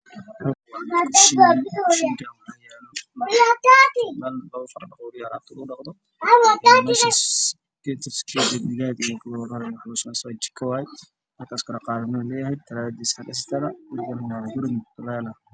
Meeshaan oo meel jika ah ehelada firish kor waxaa saaran comediinno tallaagada leedahay mutuel ay leedahay